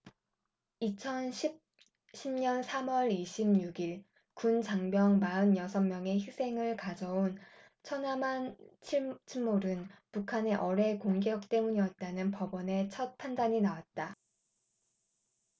이천 십 년 삼 월 이십 육 일 군 장병 마흔 여섯 명의 희생을 가져온 천안함 침몰은 북한의 어뢰 공격 때문이었다는 법원의 첫 판단이 나왔다